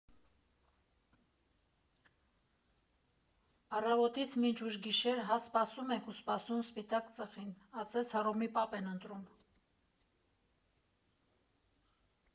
Առավոտից մինչ ուշ գիշեր հա սպասում ենք ու սպասում «սպիտակ ծխին», ասես Հռոմի պապ են ընտրում.